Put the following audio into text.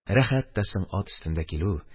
Рәхәт тә соң ат өстендә килү!